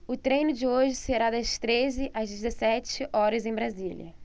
o treino de hoje será das treze às dezessete horas em brasília